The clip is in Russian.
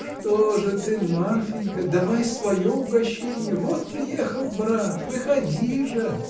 — Что же ты, Марфинька, давай свое угощенье: вот приехал брат! Выходи же.